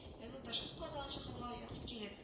Язгы ташкын казыган чокырга якын килеп